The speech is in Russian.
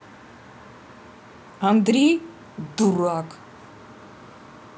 андрей дурак